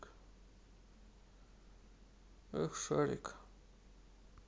эх шарик